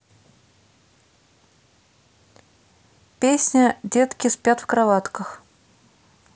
песня детки спят в кроватках